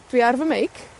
dwi ar fy meic.